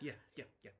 Ie, ie, ie.